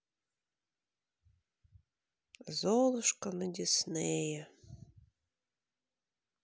золушка на дисней